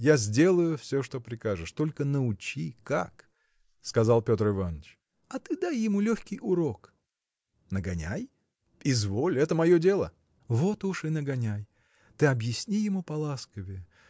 я сделаю все, что прикажешь, только научи – как! – сказал Петр Иваныч. – А ты дай ему легкий урок. – Нагоняй? изволь, это мое дело. – Вот уж и нагоняй! Ты объясни ему поласковее